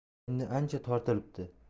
endi ancha tortilibdi